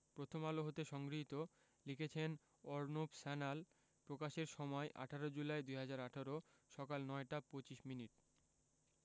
প্রথম আলো হতে সংগৃহীত লিখেছেন অর্ণব স্যান্যাল প্রকাশের সময় ১৮ জুলাই ২০১৮ সকাল ৯টা ২৫ মিনিট